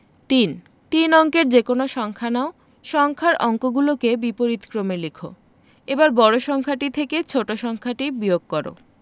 ৩ তিন অঙ্কের যেকোনো সংখ্যা নাও সংখ্যার অঙ্কগুলোকে বিপরীতক্রমে লিখ এবার বড় সংখ্যাটি থেকে ছোট সংখ্যাটি বিয়োগ কর